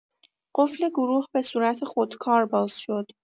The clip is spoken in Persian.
قفل گروه به صورت خودکار باز شد.